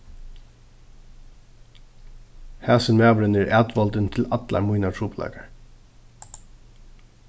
hasin maðurin er atvoldin til allar mínar trupulleikar